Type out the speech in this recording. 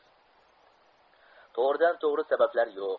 to'g'ridan to'g'ri sabablar yo'q